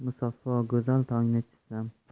musaffo go'zal tongni chizsam